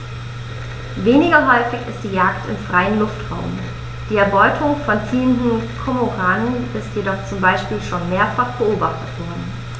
Weniger häufig ist die Jagd im freien Luftraum; die Erbeutung von ziehenden Kormoranen ist jedoch zum Beispiel schon mehrfach beobachtet worden.